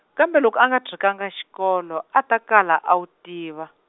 kambe loko a nga tshikanga xikolo a a ta kala a wu tiva.